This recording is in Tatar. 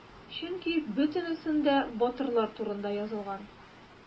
Чөнки бөтенесендә батырлар турында язылган.